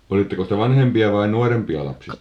olittekos te vanhempia vai nuorempia lapsista